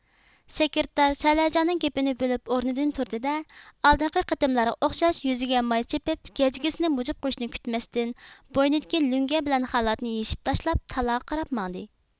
سېكىرتار سەلەيجاننىڭ گېپىنى بۆلۈپ ئورنىدىن تۇردى دە ئالدىنقى قېتىملارغا ئوخشاش يۈزىگە ماي چېپىپ گەجگىسىنى مۇجۇپ قويۇشنى كۈتمەستىن بوينىدىكى لۆڭگە بىلەن خالاتنى يېشىپ تاشلاپ تالاغا قاراپ ماڭدى